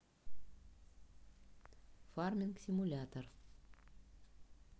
фарминг симулятор